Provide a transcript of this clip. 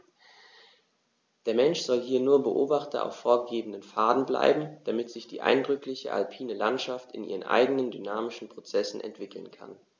Der Mensch soll hier nur Beobachter auf vorgegebenen Pfaden bleiben, damit sich die eindrückliche alpine Landschaft in ihren eigenen dynamischen Prozessen entwickeln kann.